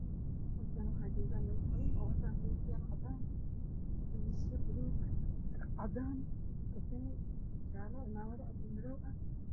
Halkan waxa jogan niman badan dhcadan qamisyo bulug cadan kafe jale cimamado madow ah